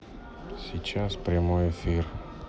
сейчас прямой эфир